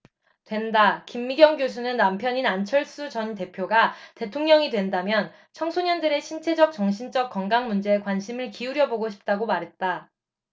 된다 김미경 교수는 남편인 안철수 전 대표가 대통령이 된다면 청소년들의 신체적 정신적 건강 문제에 관심을 기울여 보고 싶다고 말했다